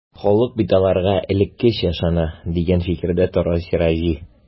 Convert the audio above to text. Халык бит аларга элеккечә ышана, дигән фикердә тора Сираҗи.